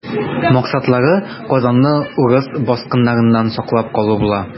Максатлары Казанны урыс баскыннарыннан саклап калу була.